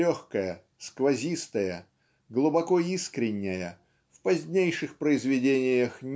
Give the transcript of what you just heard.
легкая, сквозистая, глубоко искренняя, в позднейших произведениях